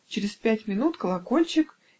Чрез пять минут -- колокольчик!.